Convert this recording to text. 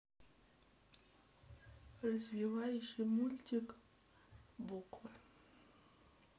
развивающий мультик буквы